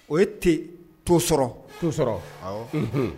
O ye te to sɔrɔ to sɔrɔ